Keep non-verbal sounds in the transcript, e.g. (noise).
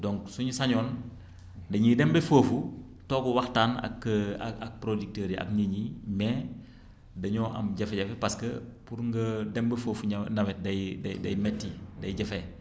donc suñu sañoon dañuy dem ba foofu toog waxtaan ak (hesitation) ak ak producteurs yi ak nit ñi mais dañoo am jafe-jafe parce que pour nga dem ba foofu ñe nawet day day day métti day jafe